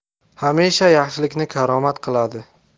hamisha yaxshilikni karomat qiladi